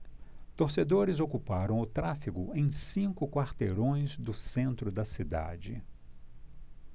torcedores ocuparam o tráfego em cinco quarteirões do centro da cidade